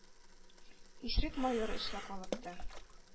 Исрек майор өскә калыкты.